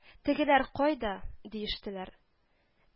«тегеләр кайда?» диештеләр